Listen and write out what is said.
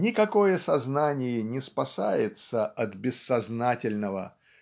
Никакое сознание не спасается от бессознательного